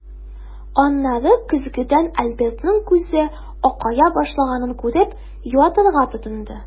Аннары көзгедән Альбертның күзе акая башлаганын күреп, юатырга тотынды.